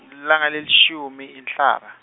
lilanga lelishumi, Inhlaba.